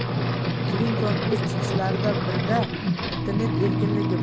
klinton o'z chiqishlaridan birida internet erkinligi